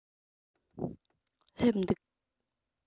སླེབས འདུག